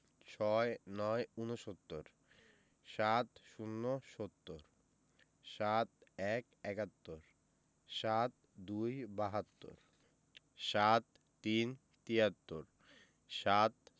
৬৯ – ঊনসত্তর ৭০ - সত্তর ৭১ – একাত্তর ৭২ – বাহাত্তর ৭৩ – তিয়াত্তর ৭